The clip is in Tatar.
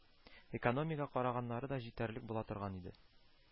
Экономиягә караганнары да җитәрлек була торган иде